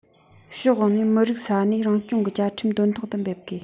ཕྱོགས ཡོངས ནས མི རིགས ས གནས རང སྐྱོང གི བཅའ ཁྲིམས དོན ཐོག ཏུ འབེབས དགོས